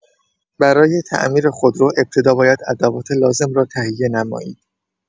برای تعمیر خودرو، ابتدا باید ادوات لازم را تهیه نمایید.